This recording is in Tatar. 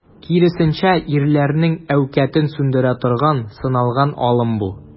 Киресенчә, ирләрнең әүкатен сүндерә торган, сыналган алым бу.